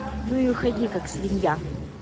ну и ходи как свинья